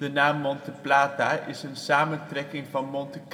naam " Monte Plata " is een samentrekking van " Monte